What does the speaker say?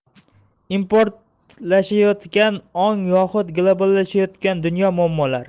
importlashayotgan ong yoxud globallashayotgan dunyo muammolari